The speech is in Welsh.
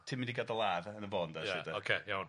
ti'n mynd i ga'l dy ladd y- yn y bôn de 'lly de. Ia ocê iawn.